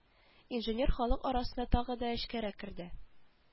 Инженер халык арасына тагы да эчкәрәк керде